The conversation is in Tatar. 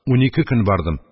Унике көн бардым.